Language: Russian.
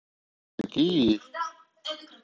какие есть